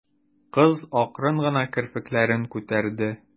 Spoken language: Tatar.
Кыз акрын гына керфекләрен күтәрде.